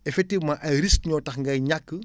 effectivement ay risques ñoo tax ngay